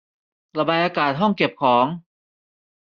ระบายอากาศห้องเก็บของ